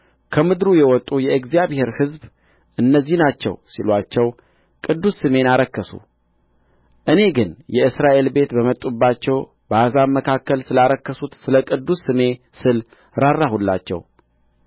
ከምድሩ የወጡ የእግዚአብሔር ሕዝብ እነዚህ ናቸው ሲሉአቸው ቅዱስ ስሜን አረከሱ እኔ ግን የእስራኤል ቤት በመጡባቸው በአሕዛብ መካከል ስላረከሱት ስለ ቅዱስ ስሜ ስል ራራሁላቸው